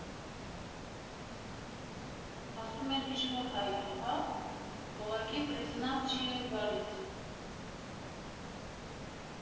Ասում են ինչ֊որ հայ ա, հա՞, ուղղակի պռիզնատ չի էլ գալիս։